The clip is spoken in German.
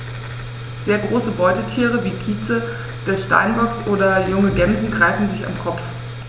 Sehr große Beutetiere wie Kitze des Steinbocks oder junge Gämsen greifen sie am Kopf.